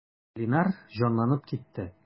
Линар җанланып китте.